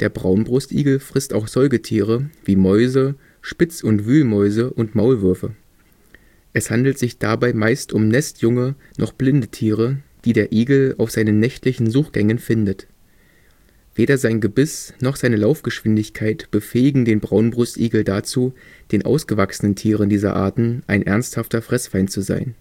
Braunbrustigel frisst auch Säugetiere wie Mäuse, Spitz - und Wühlmäuse und Maulwürfe. Es handelt sich dabei meist um nestjunge, noch blinde Tiere, die der Igel auf seinen nächtlichen Suchgängen findet. Weder sein Gebiss noch seine Laufgeschwindigkeit befähigen den Braunbrustigel dazu, den ausgewachsenen Tieren dieser Arten ein ernsthafter Fressfeind zu sein